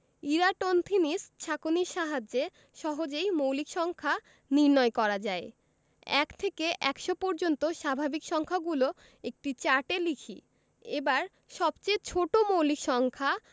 Eratosthenes ছাঁকনির সাহায্যে সহজেই মৌলিক সংখ্যা নির্ণয় করা যায় ১ থেকে ১০০ পর্যন্ত স্বাভাবিক সংখ্যাগুলো একটি চার্টে লিখি এবার সবচেয়ে ছোট মৌলিক সংখ্যা